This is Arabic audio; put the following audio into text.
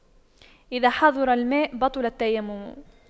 إذا حضر الماء بطل التيمم